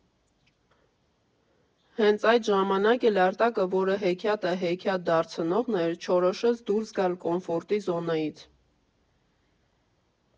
Հենց այդ ժամանակ էլ Արտակը, որը հեքիաթը հեքիաթ դարձնողն էր, չորոշեց դուրս գալ կոմֆորտի զոնայից։